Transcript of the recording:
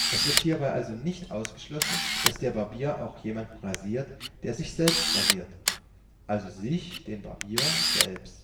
Es wird hierbei also nicht ausgeschlossen, dass der Barbier auch jemanden rasiert, der sich selbst rasiert (also sich, den Barbier, selbst